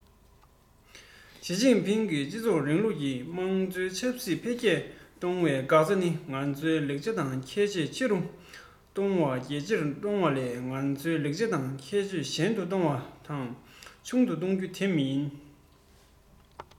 ཞིས ཅིན ཕིང གིས སྤྱི ཚོགས རིང ལུགས ཀྱི དམངས གཙོ ཆབ སྲིད འཕེལ རྒྱས གཏོང བའི འགག རྩ ནི ང ཚོའི ལེགས ཆ དང ཁྱད ཆོས ཆེ རུ གཏོང བ དང རྒྱ ཆེར གཏོང བ ལས ང ཚོའི ལེགས ཆ དང ཁྱད ཆོས ཞན དུ གཏོང བ དང ཆུང དུ གཏོང རྒྱུ དེ མིན